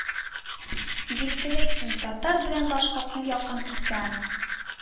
Билгеле ки, татар белән башкортны якын иткән